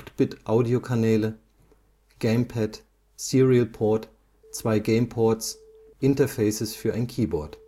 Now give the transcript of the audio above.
4×8-Bit-Audio-Kanäle Gamepad, Serial port, 2 Gameports, Interfaces für ein Keyboard